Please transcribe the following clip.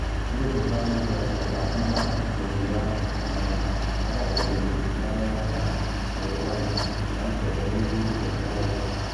Ngwụpụta nickel bụkwa mkpa n’ogige ahụ, mana agbakojuru karịa na Morowali, na nchebe ihu nke Sulawesi.